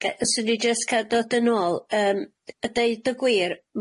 Yy 'swn i jyst ca'l dod yn ôl yym, a deud y gwir